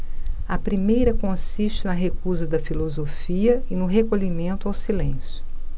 a primeira consiste na recusa da filosofia e no recolhimento ao silêncio